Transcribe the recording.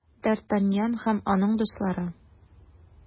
Д’Артаньян һәм аның дуслары.